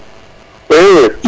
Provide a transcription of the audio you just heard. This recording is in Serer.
i